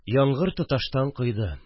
Яңгыр тоташтан койды